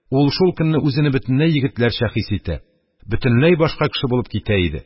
Ул шул көнне үзене бөтенләй егетләрчә хис итә, бөтенләй башка кеше булып китә иде.